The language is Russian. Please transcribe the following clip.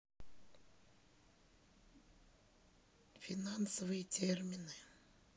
финансовые термины